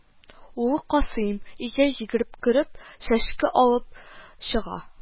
Улы Касыйм, өйгә йөгереп кереп, чәшке алып чыга